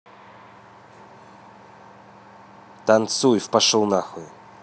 танцуй в пошел нахуй